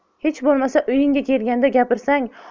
hech bo'lmasa uyingga kelganda gapirsang